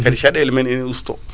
kaadi caɗele men ene usto